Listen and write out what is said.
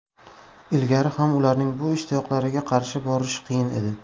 ilgari ham ularning bu ishtiyoqlariga qarshi borish qiyin edi